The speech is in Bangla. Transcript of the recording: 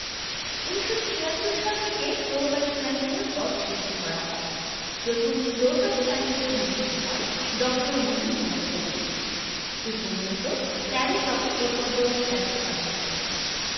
১৯৭৬ সাল থেকে প্রো ভাইস চ্যান্সেলর পদ সৃষ্টি করা হয় প্রথম প্রো ভাইস চ্যান্সেলর নিযুক্ত হন ড. মফিজুল্লাহ কবির এ পর্যন্ত ১৩ জন এ পদে দায়িত্বপালন করেন